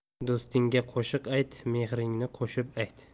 do'stingga qo'shiq ayt mehringni qo'shib ayt